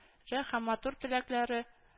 Һәм матур теләкләре